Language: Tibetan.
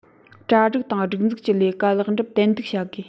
གྲ སྒྲིག དང སྒྲིག འཛུགས ཀྱི ལས ཀ ལེགས འགྲུབ ཏན ཏིག བྱ དགོས